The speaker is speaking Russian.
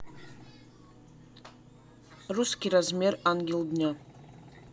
русский размер ангел дня